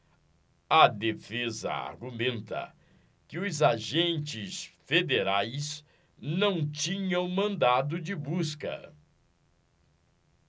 a defesa argumenta que os agentes federais não tinham mandado de busca